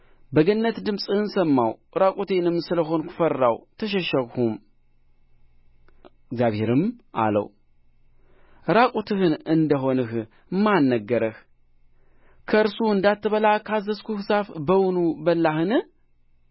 በገነት ድምፅህን ሰማሁ ዕራቁቴንም ስለ ሆንሁ ፈራሁ ተሸሸግሁም እግዚአብሔርም አለው ዕራቁትህን እንደ ሆንህ ማን ነገረህ ከእርሱ እንዳትበላ ካዘዝሁህ ዛፍ በውኑ በላህን